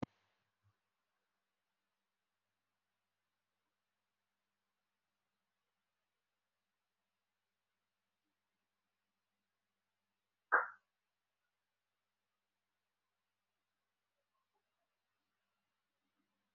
Waa meel waddo oo farqi dillaacay niman ayaa joogo guryo ayaan ka aaminsan